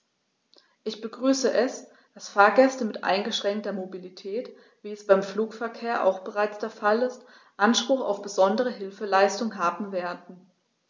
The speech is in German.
Ich begrüße es, dass Fahrgäste mit eingeschränkter Mobilität, wie es beim Flugverkehr auch bereits der Fall ist, Anspruch auf besondere Hilfeleistung haben werden.